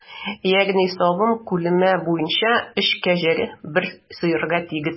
Ягъни савым күләме буенча өч кәҗә бер сыерга тигез.